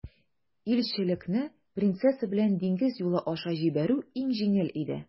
Илчелекне принцесса белән диңгез юлы аша җибәрү иң җиңеле иде.